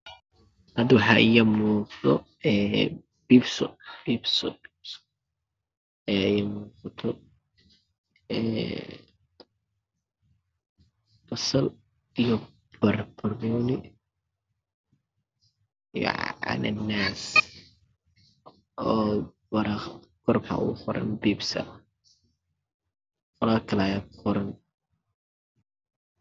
Halkaan waxaa iiga muuqdo biidso basal iyo banbanooni. Cananaas kor waxaa oga qoran biibsa.